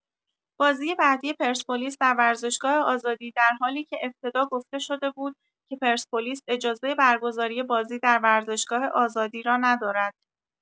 بازی بعدی پرسپولیس در ورزشگاه آزادی در حالی که ابتدا گفته‌شده بود که پرسپولیس اجازه برگزاری بازی در ورزشگاه آزادی را ندارد!